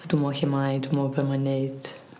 A dw'm 'mo' lle mae dwi 'mo' be' mae'n neud